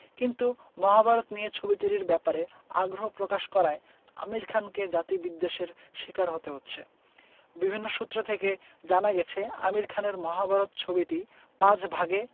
কিন্তু মহাভারত নিয়ে ছবি তৈরির ব্যাপারে আগ্রহ প্রকাশ করায় আমির খানকে জাতিবিদ্বেষের শিকার হতে হচ্ছে বিভিন্ন সূত্র থেকে জানা গেছে আমির খানের মহাভারত ছবিটি পাঁচ ভাগে